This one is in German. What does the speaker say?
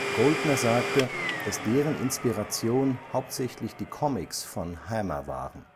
Goldner sagte, dass deren Inspiration hauptsächlich die Comics von Hama waren